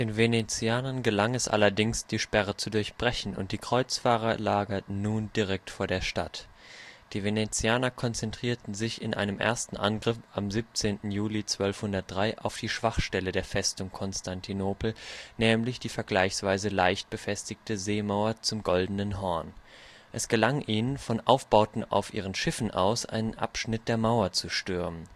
Venezianern gelang es allerdings, die Sperre zu durchbrechen, und die Kreuzfahrer lagerten nun direkt vor der Stadt. Die Venezianer konzentrierten sich in einem ersten Angriff am 17. Juli 1203 auf die Schwachstelle der Festung Konstantinopel, nämlich die vergleichsweise leicht befestigte Seemauer zum Goldenen Horn. Es gelang ihnen, von Aufbauten auf ihren Schiffen aus einen Abschnitt der Mauer zu stürmen